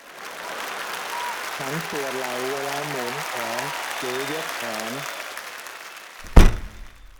ฉันปวดไหล่เวลาหมุนแขนหรือยกแขน